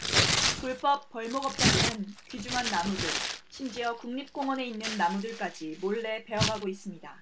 불법 벌목업자들은 귀중한 나무들 심지어 국립공원에 있는 나무들까지 몰래 베어 가고 있습니다